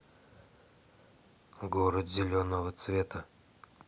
город зеленого цвета